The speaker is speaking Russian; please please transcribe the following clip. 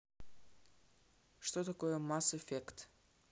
что такое mass effect